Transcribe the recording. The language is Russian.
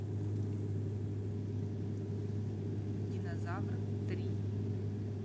динозавр три